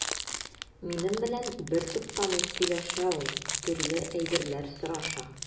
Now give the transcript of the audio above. Минем белән бертуктамый сөйләшә ул, төрле әйберләр сораша.